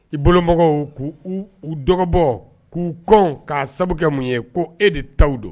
I bolo mɔgɔw k'u u uu dɔgɔbɔ k'u kɔn k'a sababu mun ye ko e de ta don